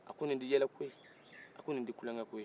a ko nin tɛ yɛlɛ ko ye a ko nin tɛ kulonkɛ ko ye